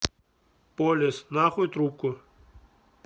полис нахуй трубку